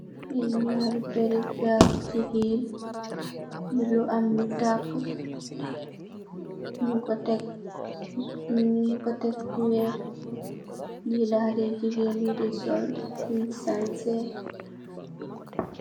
Li narii peer jarru jigeen, lu am lu taka nu kor tekk fu weex, li la xale jigeen di sol purr sanseh.